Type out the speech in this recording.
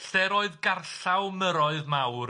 'Lle'r oedd garllaw muroedd mawr'